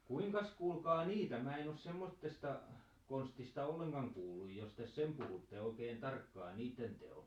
kuinkas kuulkaa niitä minä en ole semmoisesta konstista ollenkaan kuullut jos te sen puhutte oikein tarkkaan niiden teon